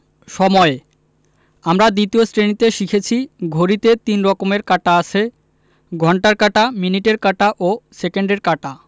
সময়ঃ আমরা ২য় শ্রেণিতে শিখেছি ঘড়িতে ৩ রকমের কাঁটা আছে ঘণ্টার কাঁটা মিনিটের কাঁটা ও সেকেন্ডের কাঁটা